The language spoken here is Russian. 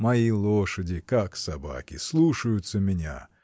— Мои лошади — как собаки — слушаются меня.